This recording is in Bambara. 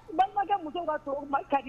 Balimankɛ muso ka